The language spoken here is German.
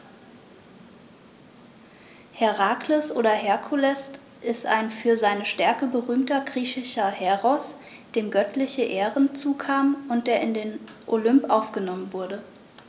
Herakles oder Herkules ist ein für seine Stärke berühmter griechischer Heros, dem göttliche Ehren zukamen und der in den Olymp aufgenommen wurde.